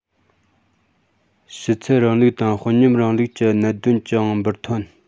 ཕྱི ཚུལ རིང ལུགས དང དཔོན ཉམས རིང ལུགས ཀྱི གནད དོན ཅུང འབུར ཐོན